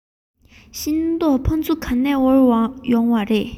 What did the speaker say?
ཤིང ཏོག ཕ ཚོ ག ནས དབོར ཡོང བ རེད